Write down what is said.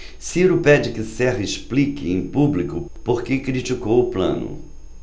ciro pede que serra explique em público por que criticou plano